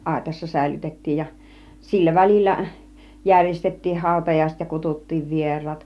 aitassa säilytettiin ja sillä välillä järjestettiin hautajaiset ja kutsuttiin vieraat